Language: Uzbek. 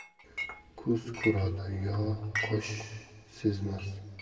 ko'z ko'radi yu qosh sezmas